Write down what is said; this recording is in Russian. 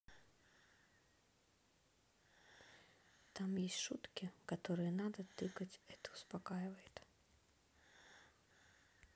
там есть штуки которые надо тыкать это успокаивает